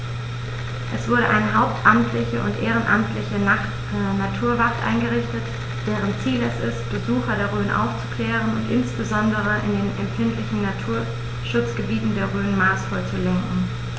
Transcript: Es wurde eine hauptamtliche und ehrenamtliche Naturwacht eingerichtet, deren Ziel es ist, Besucher der Rhön aufzuklären und insbesondere in den empfindlichen Naturschutzgebieten der Rhön maßvoll zu lenken.